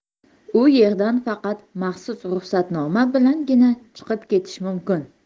u yerdan faqat maxsus ruxsatnoma bilangina chiqib ketish mumkin